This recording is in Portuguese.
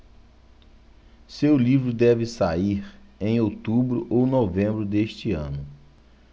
seu livro deve sair em outubro ou novembro deste ano